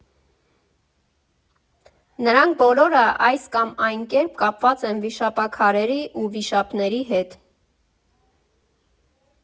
Նրանք բոլորը այս կամ այն կերպ կապված են վիշապաքարերի ու վիշապների հետ։